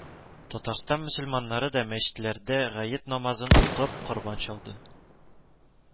Татарстан мөселманнары да мәчетләрдә гает намазын укып, корбан чалды